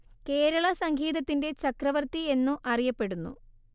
കേരള സംഗീതത്തിന്റെ ചക്രവർത്തി എന്നു അറിയപ്പെടുന്നു